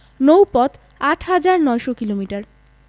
নৌপথ ৮হাজার ৯০০ কিলোমিটার